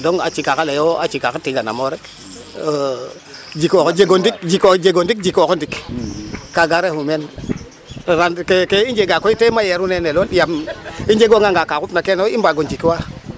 Donc a cikax ale, a cikax tiganam o rek jikoox jeg o ndik, jikoox jeg o ndik, jikoox o ndik kaaga refu meen ke i jega koy te mayeeru nene lool yaam i njegooganga ka xupna kene yo i mbaag o njikwaa.